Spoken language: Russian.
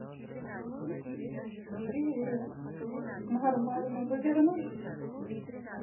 привет нормально вы вернулись